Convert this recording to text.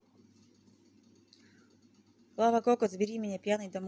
клава кока забери меня пьяный домой